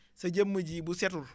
sa jëmm jii bu setul